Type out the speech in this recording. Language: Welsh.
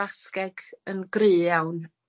Basgeg yn gry iawn.